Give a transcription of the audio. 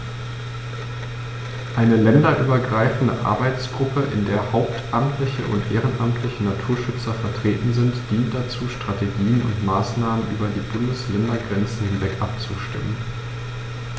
Eine länderübergreifende Arbeitsgruppe, in der hauptamtliche und ehrenamtliche Naturschützer vertreten sind, dient dazu, Strategien und Maßnahmen über die Bundesländergrenzen hinweg abzustimmen.